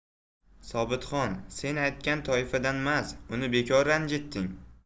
sobitxon sen aytgan toifadanmas uni bekor ranjitding